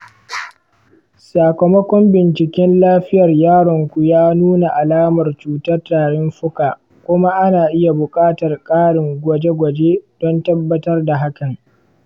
sakamakon binciken lafiyar yaronku ya nuna alamar cutar tarin fuka, kuma ana iya buƙatar ƙarin gwaje-gwaje don tabbatar da hakan.